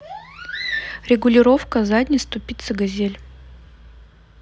регулировка задней ступицы газель